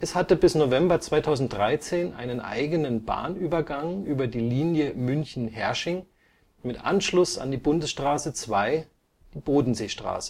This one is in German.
hatte bis November 2013 einen eigenen Bahnübergang über die Linie München – Herrsching mit Anschluss an die Bundesstraße 2, Bodenseestraße